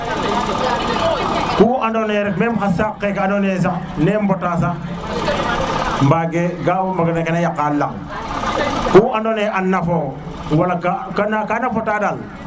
ku ando na ye rek meme xa sac ke ando yeke sax ka mbota sax mbage ga bong no ke na yaqa lang ku ando n ye a nafo wala ga ka na fota dal